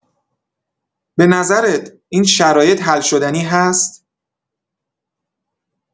به نظرت این شرایط حل‌شدنی هست؟